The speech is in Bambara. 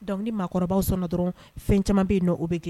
Don ni maakɔrɔba sɔnna dɔrɔn, fɛn caman bɛ yen nɔ o bɛ kɛ